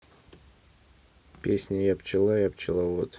песня я пчела пчеловод